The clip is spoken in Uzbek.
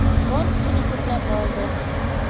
bor kuchini to'plab oldi